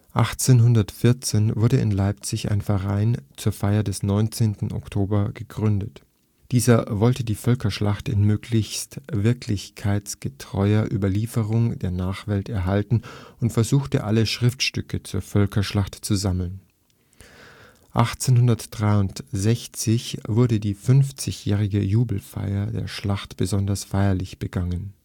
1814 wurde in Leipzig ein Verein zur Feier des 19. Oktober gegründet. Dieser wollte die Völkerschlacht in möglichst wirklichkeitsgetreuer Überlieferung der Nachwelt erhalten und versuchte, alle Schriftstücke zur Völkerschlacht zu sammeln. 1863 wurde die 50-jährige Jubelfeier der Schlacht besonders festlich begangen